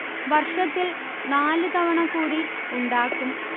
വർഷത്തിൽ നാലുതവണ കൂടി ഉണ്ടാക്കും